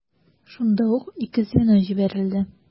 Шунда ук ике звено җибәрелде.